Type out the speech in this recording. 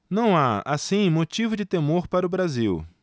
não há assim motivo de temor para o brasil